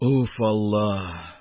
Уф, алла!